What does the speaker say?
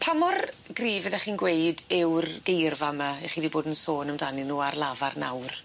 Pa mor gryf fyddech chi'n gweud yw'r geirfa 'my 'ych chi 'di bod yn sôn amdanyn nw ar lafar nawr?